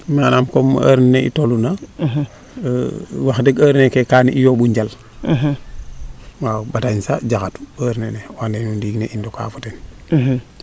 manaam comme heure nene i tolu na qwax deg heure neeke kaan i yombu njal waaw batañsa jaxatu heure nene o ande o ndiing ne i ndooka fo ten